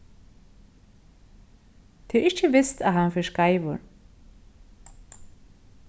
tað er ikki vist at hann fer skeivur